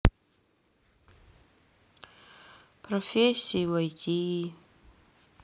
профессии в ай ти